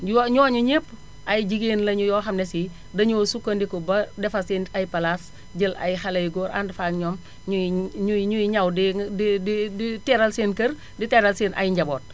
yoo ñooña ñépp ay jigéen lañu yoo xam ne si dañoo sukandiku ba defar seen i ay places jël ay xale yu góor ànd fa ak ñoom ñuy ñuy ñuy ñaw di di di di teral seen kër di teral seen ay njaboot